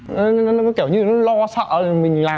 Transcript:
nó nó nó kiểu như nó lo sợ mình làm